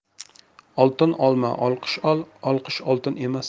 oltin olma olqish ol olqish oltin emasmi